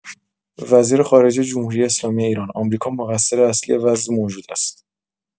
وزیر خارجه جمهوری‌اسلامی ایران: آمریکا مقصر اصلی وضع موجود است.